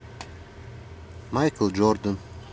майкл джордан